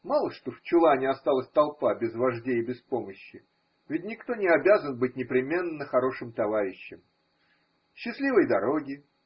Мало что в чулане осталась толпа без вождей и без помощи – ведь никто не обязан быть непременно хорошим товарищем. Счастливой дороги.